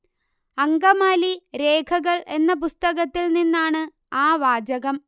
അങ്കമാലി രേഖകൾ എന്ന പുസ്തകത്തിൽ നിന്നാണ് ആ വാചകം